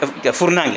ga furnangue